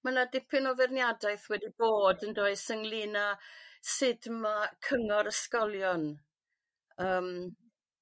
Ma 'na dipyn o feirniadaeth wedi bod yndoes ynglŷn â sud ma' cyngor ysgolion yym